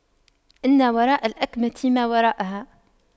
إن وراء الأَكَمةِ ما وراءها